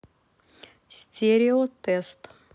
стерео тест